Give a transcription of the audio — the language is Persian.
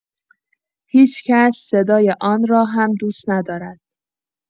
هیچ‌کس صدای آن را هم دوست ندارد.